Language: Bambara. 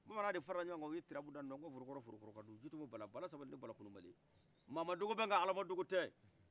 bamanan de farala ɲɔgɔn ka u ye turabu da nɔgɔ forokɔrɔ forokɔrɔ kanju jitumu bala bala sabali bala kunu bali mɔgɔ ma dogo bɛ nka alama dogotɛ